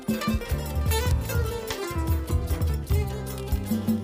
Maa y'i tile kɛ kɛ kɛ diɲɛ diɲɛ